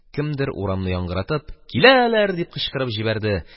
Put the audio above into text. Кемдер, урамны яңгыратып: «Киләләр!» – дип кычкырып җибәрде.